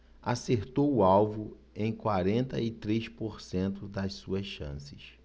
acertou o alvo em quarenta e três por cento das suas chances